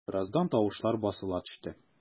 Бераздан тавышлар басыла төште.